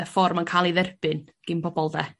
y ffor ma'n ca'l ei dderbyn gin bobol 'de?